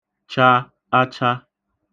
cha acha